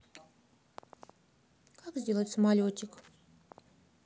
как сделать самолетик